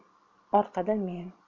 orqada men